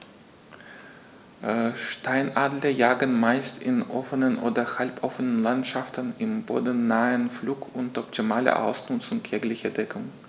Steinadler jagen meist in offenen oder halboffenen Landschaften im bodennahen Flug unter optimaler Ausnutzung jeglicher Deckung.